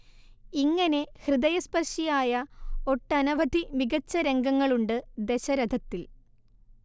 ഇങ്ങനെ ഹൃദയസ്പർശിയായ ഒട്ടനവധി മികച്ച രംഗങ്ങളുണ്ട് ദശരഥത്തിൽ